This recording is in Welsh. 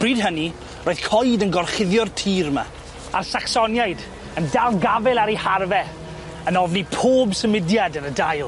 Bryd hynny, roedd coed yn gorchuddio'r tir 'ma, a'r Sacsoniaid yn dal gafel ar eu harfe, yn ofni pob symudiad yn y dail.